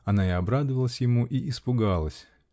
Она и обрадовалась ему и испугалась.